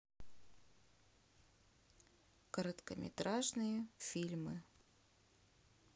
короткометражные фильмы